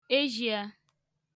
ejia